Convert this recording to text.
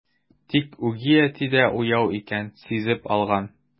Тик үги әти дә уяу икән, сизеп алган.